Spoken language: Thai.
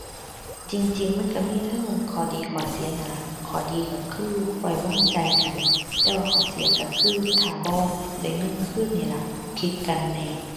จริงจริงมันก็มีเทิงข้อดีข้อเสียน่ะล่ะ ข้อดีก็คือไว้วางใจกัน แต่ว่าข้อเสียก็คือถ้าบ่ได้เงินคืนนี่ล่ะ ผิดกันแน่